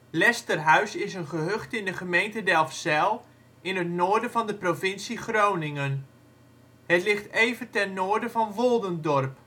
Lesterhuis is een gehucht in de gemeente Delfzijl in het noorden van de provincie Groningen. Het ligt even ten noorden van Woldendorp